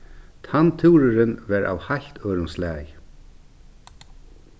tann túrurin var av heilt øðrum slagi